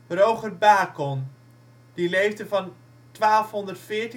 Roger Bacon (1214 – 1294